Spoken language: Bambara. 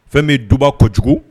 Fɛn min ye duba ko jugu